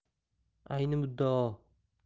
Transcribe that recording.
ayni muddao